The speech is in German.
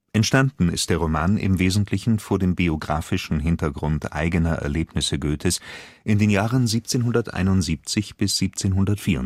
Entstanden ist der Roman im Wesentlichen vor dem biographischen Hintergrund eigener Erlebnisse Goethes in den Jahren 1771 bis 1774